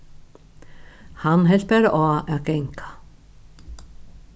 hann helt bara á at ganga